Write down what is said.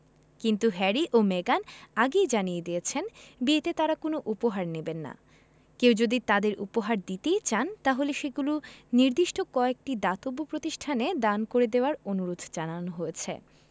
কিন্তু হ্যারি ও মেগান আগেই জানিয়ে দিয়েছেন বিয়েতে তাঁরা কোনো উপহার নেবেন না কেউ যদি তাঁদের উপহার দিতেই চান তাহলে সেগুলো নির্দিষ্ট কয়েকটি দাতব্য প্রতিষ্ঠানে দান করে দেওয়ার অনুরোধ জানানো হয়েছে